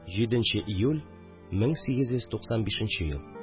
7 нче июль, 1895 ел